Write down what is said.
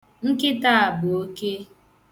Nkịta a bụ oke.